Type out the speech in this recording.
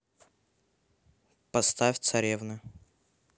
поставь царевны